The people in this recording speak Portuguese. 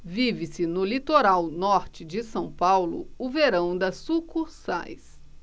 vive-se no litoral norte de são paulo o verão das sucursais